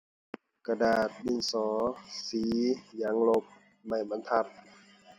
กระดาษ ดินสอ สี ยางลบ ไม้บรรทัด